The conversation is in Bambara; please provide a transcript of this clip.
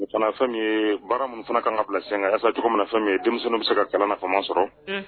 O fana fɛn ye baara min fana ka fila sen kan asa cogo min na fɛn ye denmisɛnnin bɛ se ka kalan na fangama sɔrɔ